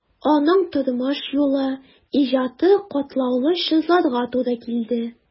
Аның тормыш юлы, иҗаты катлаулы чорларга туры килде.